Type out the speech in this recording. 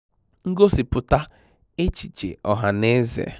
Ngosipụta echiche ọhanaeze